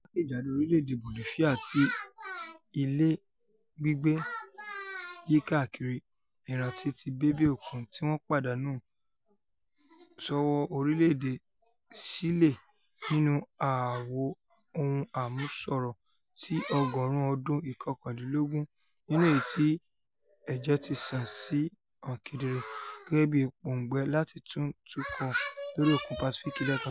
Jákè-jádò orílẹ̀-èdè Bolifia tí ilẹ̀ gbígbẹ yí káàkiri, ìrántí ti bèbè òkun tíwọ́n pàdánù sọ́wọ́ orílẹ̀-èdè Ṣílè nínú aáwọ̀ ohun àmúṣọrọ̀ ti ọgọ́ọ̀rún ọdún ìkọkàndínlógún nínú èyití ẹ̀jẹ̀ ti sàn sì hàn kedere - gẹ́gẹ́bí ìpòǹgbẹ láti tún tukọ̀ lórí òkun Pasífíìkì lẹ́ẹ̀kan síi.